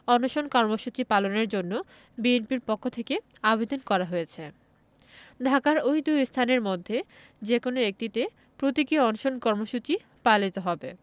অনশন কর্মসূচি পালনের জন্য বিএনপির পক্ষ থেকে আবেদন করা হয়েছে ঢাকায় ওই দুই স্থানের মধ্যে যেকোনো একটিতে প্রতীকী অনশন কর্মসূচি পালিত হবে